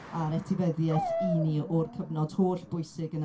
a'r etifeddiaeth i ni o'r cyfnod hollbwysig yna.